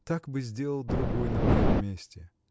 Так бы сделал другой на моем месте.